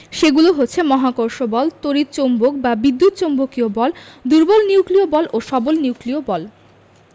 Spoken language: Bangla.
সেগুলো হচ্ছে মহাকর্ষ বল তড়িৎ চৌম্বক বা বিদ্যুৎ চৌম্বকীয় বল দুর্বল নিউক্লিয় বল ও সবল নিউক্লিয় বল